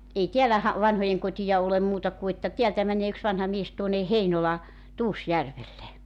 ei täällä - vanhojenkotia ole muuta kuin että täältä menee yksi vanha mies tuonne Heinolan Tuusjärvelle